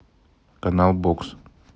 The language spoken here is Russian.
канал бокс